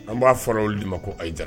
An b'a fɔra olu de ma ko ayi jara